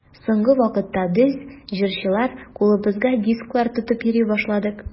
Соңгы вакытта без, җырчылар, кулыбызга дисклар тотып йөри башладык.